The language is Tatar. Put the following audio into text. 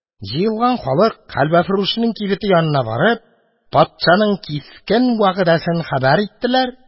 Җыелган халык, хәлвәфрүшнең кибете янына барып, патшаның кискен вәгъдәсен хәбәр иттеләр